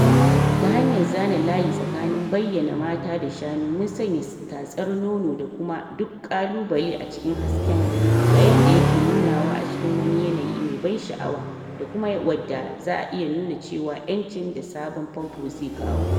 Ta hanyar zana layi tsakanin bayyana mata da shanu mun sanya tatsar nono da kuma duk kalubale a cikin hasken, yayin da yake nunawa a cikin wani yanayi mai ban sha'awa da kuma yadda za a iya nuna cewa 'yanci da sabon famfo zai kawo.